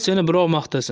seni birov maqtasin